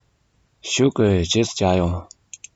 བཞུགས དགོས རྗེས སུ མཇལ ཡོང